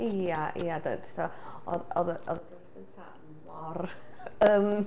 Ia, ia, de, oedd oedd oedd y gyfres gyntaf mor, ym...